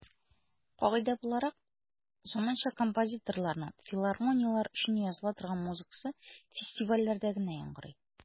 Кагыйдә буларак, заманча композиторларның филармонияләр өчен языла торган музыкасы фестивальләрдә генә яңгырый.